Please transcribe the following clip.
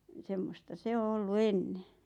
niin semmoista se on ollut ennen